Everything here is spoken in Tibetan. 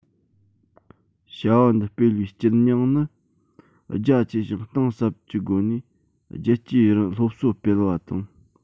བྱ བ འདི སྤེལ བའི དཀྱིལ སྙིང ནི རྒྱ ཆེ ཞིང གཏིང ཟབ ཀྱི སྒོ ནས རྒྱལ གཅེས སློབ གསོ སྤེལ བ དང